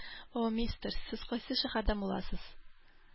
О, мистер, сез кайсы шәһәрдән буласыз?